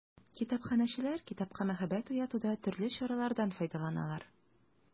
Китапханәчеләр китапка мәхәббәт уятуда төрле чаралардан файдаланалар.